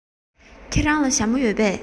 ཁྱེད རང ལ ཞྭ མོ ཡོད པས